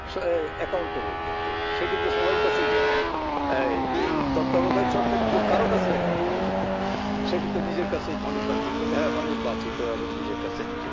accountable কিন্তু সে কিন্তু সবার কাছেই এ না তত্ত্বাবধায়ক সরকার কিন্তু কারো কাছে অ্যাকাউন্টে ভুল না সে কিন্তু নিজের কাছেই নিজে অনির্বাচিত হ্যাঁ অনির্বাচিত এবং নিজের কাছে নিজে